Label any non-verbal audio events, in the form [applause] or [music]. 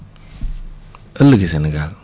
[breath] ëllëg i Sénégal